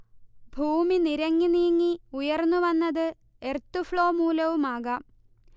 ഭൂമി നിരങ്ങി നീങ്ങി ഉയർന്നുവന്നത് എർത്ത്ഫ്ളോ മൂലവുമാകാം